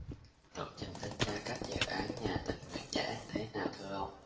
lộ trình thanh tra các dự án nhà tình nguyện trẻ thế nào thưa ông